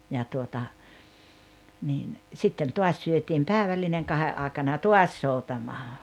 ja tuota niin sitten taas syötiin päivällinen kahden aikana ja taas soutamaan